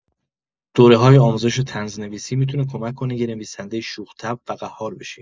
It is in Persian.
دوره‌های آموزش طنزنویسی می‌تونه کمک کنه یه نویسنده شوخ‌طبع و قهار بشی.